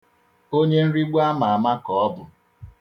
Onyenrigbu amaama ka ọ bụ.